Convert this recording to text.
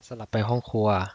สลับไปห้องครัว